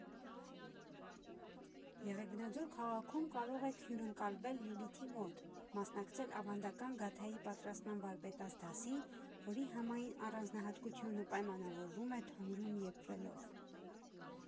Եղեգնաձոր քաղաքում կարող եք հյուրընկալվել Լիլիթի մոտ, մասնակցել ավանդական գաթայի պատրաստման վարպետաց դասին, որի համային առանձնահատկությունը պայմանավորվում է թոնրում եփվելով։